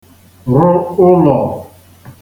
rụ ụlọ̀